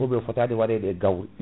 o wiya fotani waɗe e gawri